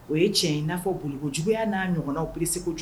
O ye tiɲɛ in n'a fɔ boloko juguyaya n'a ɲɔgɔnna bilisi segu kojugu